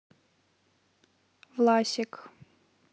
власик